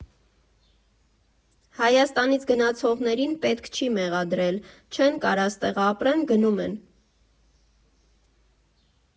Հայաստանից գնացողներին պետք չի մեղադրել, չեն կարա ստեղ ապրեն՝ գնում են։